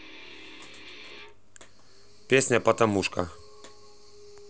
песня потомушка